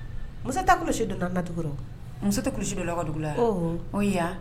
Muso tɛ kulusi don muso tɛ kulu don ladugu la